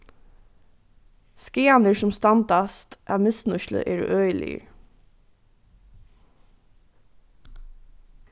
skaðarnir sum standast av misnýtslu eru øgiligir